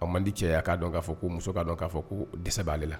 O mandi cɛ ye a k'a dɔn k'a fɔ ko muso'a dɔn k'a fɔ ko dɛsɛse b'ale la